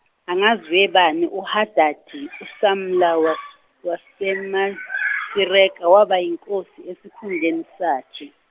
angazi webani uHadadi uSamlawa wa- waseMasreeka waba yinkosi esikhundleni sakhe.